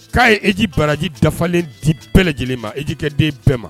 K'a ye eji baraji dafalen di bɛɛ lajɛlen ma e kɛ den bɛɛ ma